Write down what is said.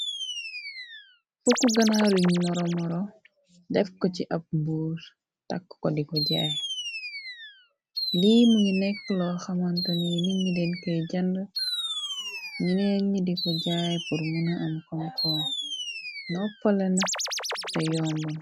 Pukketu ganaaruñ moro moro def ko ci ab mbose takk ko diko jaay lii muy nekk loo xamantani nit niden key jand nineet n diko jaay pur mëna am kon koon noppalena te yomboon.